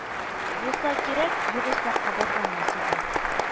Булса кирәк, югыйсә, кабатламас иде